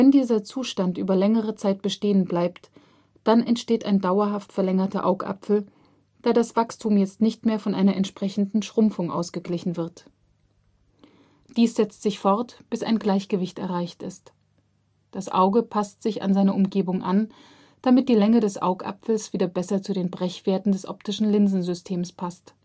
dieser Zustand über längere Zeit bestehen bleibt, dann entsteht ein dauerhaft verlängerter Augapfel, da das Wachstum jetzt nicht mehr von einer entsprechenden Schrumpfung ausgeglichen wird. Dies setzt sich fort, bis ein Gleichgewicht erreicht ist: das Auge passt sich an seine Umgebung an, damit die Länge des Augapfels wieder besser zu den Brechwerten des optischen Linsensystems passt